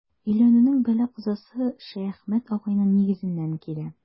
Өйләнүнең бәла-казасы Шәяхмәт агайның нигезеннән килә.